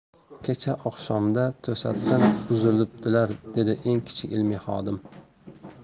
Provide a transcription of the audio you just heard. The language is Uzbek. kecha oqshomda to'satdan uzilibdilar dedi eng kichik ilmiy xodim